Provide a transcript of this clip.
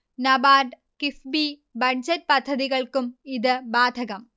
NABARD, KIIFB, budget പദ്ധതികൾക്കും ഇത് ബാധകം